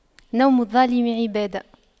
نوم الظالم عبادة